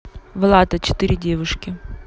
влад а четыре девушки